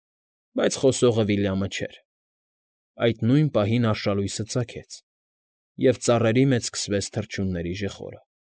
Բայց խոսողը Վիլյամը չէր։ Այդ նույն պահին արշալույսը ծագեց, և ծառերի մեջ սկսվեց թռչունների ժխորը։